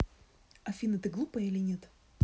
афина ты глупая или нет